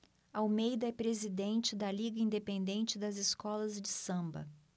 almeida é presidente da liga independente das escolas de samba